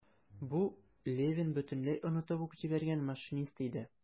Бу - Левин бөтенләй онытып ук җибәргән машинист иде.